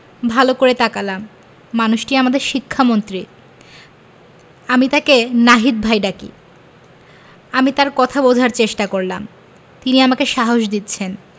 ভালো করে তাকালাম মানুষটি আমাদের শিক্ষামন্ত্রী আমি তাকে নাহিদ ভাই ডাকি আমি তার কথা বোঝার চেষ্টা করলাম তিনি আমাকে সাহস দিচ্ছেন